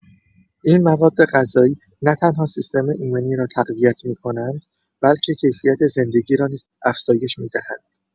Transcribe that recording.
این موادغذایی نه‌تنها سیستم ایمنی را تقویت می‌کنند، بلکه کیفیت زندگی را نیز افزایش می‌دهند.